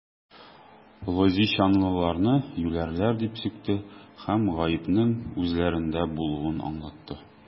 Лозищанлыларны юләрләр дип сүкте һәм гаепнең үзләрендә булуын аңлатты.